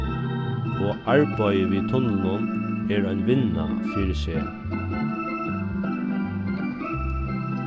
og arbeiðið við tunlunum er ein vinna fyri seg